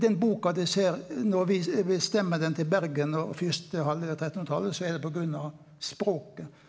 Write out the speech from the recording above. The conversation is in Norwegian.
den boka de ser når vi vi bestemmer den til Bergen og fyrste halvdel av trettenhundretalet så er det pga. språket.